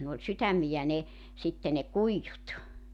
ne oli sydämiä ne sitten ne kuidut